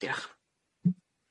Diolch.